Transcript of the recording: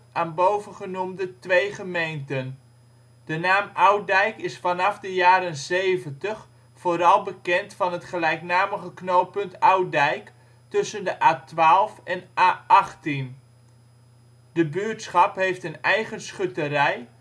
aan bovengenoemde twee gemeenten. De naam Oud-Dijk is vanaf de jaren ' 70 vooral bekend van het gelijknamige Knooppunt Oud-Dijk tussen de A12 (E35, NL) en A18. De buurtschap heeft een eigen schutterij